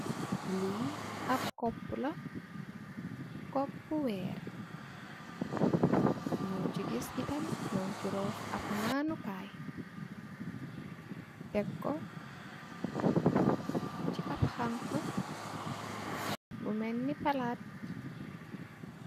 Li ap kupola, kupo werr nanu kai, tekku si ap khang khuh bu melni palat